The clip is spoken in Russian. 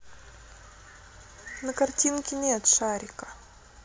на картинке нет шарика